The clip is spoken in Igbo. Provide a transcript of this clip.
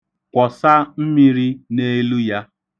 Kwọsa mmiri n'elu ya.